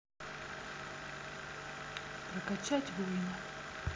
прокачать воина